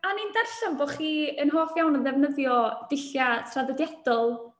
A o'n i'n darllen bo' chi yn hoff iawn o ddefnyddio dulliau traddodiadol?